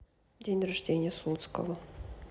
день рождения слуцкого